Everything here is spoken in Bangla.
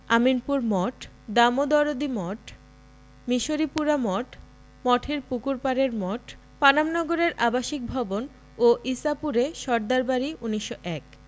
আমিনপুর মঠ দামোদরদি মঠ মিসরিপুরা মঠ মঠের পুকুর পাড়ের মঠ পানাম নগরের আবাসিক ভবন ও ঈসাপুরে সরদার বাড়ি ১৯০১